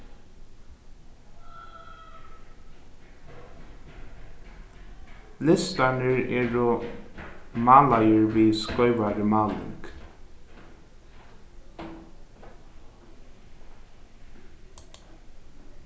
listarnir eru málaðir við skeivari máling